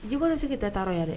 Ji ko ne sigi ka ta taa yɛrɛ dɛ